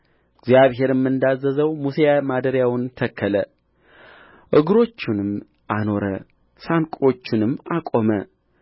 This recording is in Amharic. እግዚአብሔርም እንዳዘዘው ሙሴ ማደሪያውን ተከለ እግሮቹንም አኖረ ሳንቆቹንም አቆመ